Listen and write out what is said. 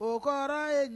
O kɔrɔ ye